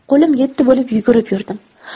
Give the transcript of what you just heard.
qo'lim yetti bo'lib yugurib yurdim